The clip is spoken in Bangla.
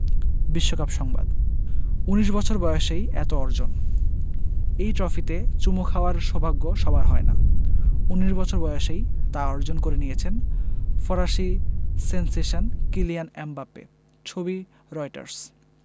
বিশ্বকাপ সংবাদ ১৯ বছর বয়সেই এত অর্জন এই ট্রফিতে চুমু খাওয়ার সৌভাগ্য সবার হয় না ১৯ বছর বয়সেই তা অর্জন করে নিয়েছেন ফরাসি সেনসেশন কিলিয়ান এমবাপ্পে ছবি রয়টার্স